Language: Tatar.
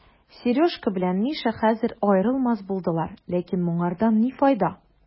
Сережка белән Миша хәзер аерылмас булдылар, ләкин моңардан ни файда?